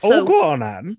Oh go on then!